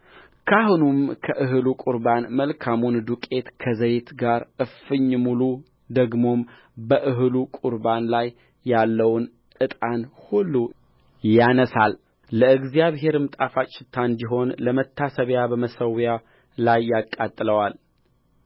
ካህኑም ከእህሉ ቍርባን መልካሙን ዱቄት ከዘይት ጋር እፍኝ ሙሉ ደግሞም በእህሉ ቍርባን ላይ ያለውን ዕጣን ሁሉ ያነሣል ለእግዚአብሔርም ጣፋጭ ሽታ እንዲሆን ለመታሰቢያ በመሠዊያው ላይ ያቃጥለዋል